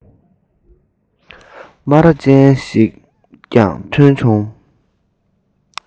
སྨ ར ཅན ཞིག ཀྱང ཐོན བྱུང